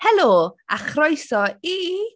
Helo a chroeso i...